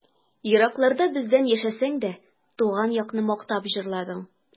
Еракларда бездән яшәсәң дә, Туган якны мактап җырладың.